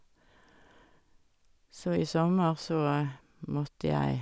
Så i sommer så måtte jeg...